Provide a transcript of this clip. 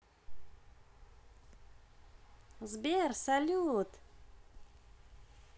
сбер салют